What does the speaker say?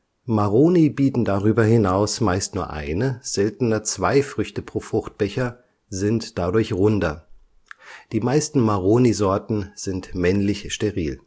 Maroni bilden darüber hinaus meist nur eine, seltener zwei Früchte pro Fruchtbecher, sind dadurch runder. Die meisten Maroni-Sorten sind männlich steril